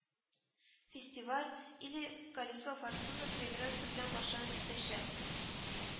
Фестиваль или Колесо Фортуны премьерасы белән башланып китәчәк